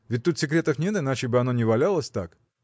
ведь тут секретов нет, иначе бы оно не валялось так.